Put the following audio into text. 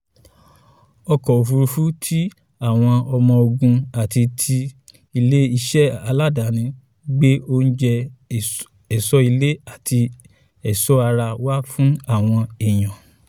Ọkọ̀-òfúrufú ti àwọn ọmọ-ogun àti ti ilé-iṣẹ́ aládàáni ń gbé oúnjẹ, ẹ̀ṣọ́ ilé àti ẹ̀ṣọ́ ara wá fún àwọn èèyàn.